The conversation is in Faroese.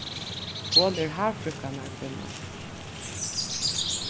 hon er hárfríðkanarkvinna